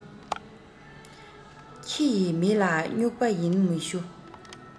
ཁྱི ཡིས མི ལ རྨྱུག པ ཡིན མི ཞུ